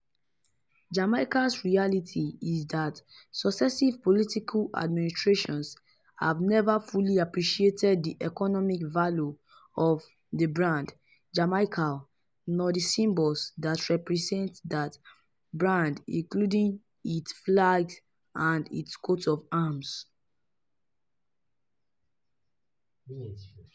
Jamaica’s reality is that successive political administrations have never fully appreciated the economic value of the brand "Jamaica" nor the symbols that [represent] that brand including its flag and its coat of arms.